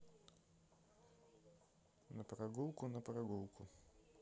на прогулку на прогулку